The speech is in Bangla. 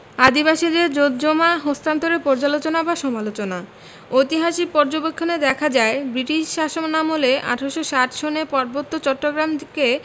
আদিবাসীদের জোতজমা হন্তান্তরের পর্যালোচনা বা সমালোচনা ঐতিহাসিক পর্যবেক্ষনে দেখা যায় বৃটিশ শাসনামলে ১৮৬০ সনে পার্বত্য চট্টগ্রামকে